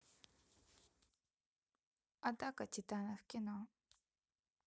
атака титанов кино